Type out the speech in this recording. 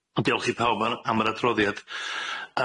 Diolch i yym diolch i pawb am yr adroddiad.